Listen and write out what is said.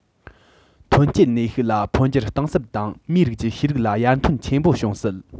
ཐོན སྐྱེད ནུས ཤུགས ལ འཕོ འགྱུར གཏིང ཟབ དང མིའི རིགས ཀྱི ཤེས རིག ལ ཡར ཐོན ཆེན པོ བྱུང སྲིད